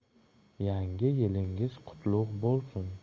yangi yilingiz qutlug bo'lsin